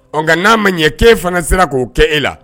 Nka nka n'a ma ɲɛ kee fanga sera k'o kɛ e la